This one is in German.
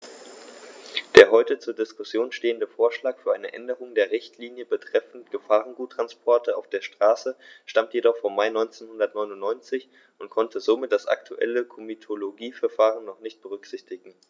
Der heute zur Diskussion stehende Vorschlag für eine Änderung der Richtlinie betreffend Gefahrguttransporte auf der Straße stammt jedoch vom Mai 1999 und konnte somit das aktuelle Komitologieverfahren noch nicht berücksichtigen.